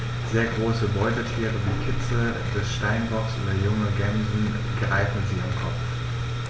Sehr große Beutetiere wie Kitze des Steinbocks oder junge Gämsen greifen sie am Kopf.